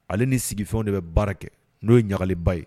Ale nii sigi fɛnw de bɛ baara kɛ n'o ye ɲagaliba ye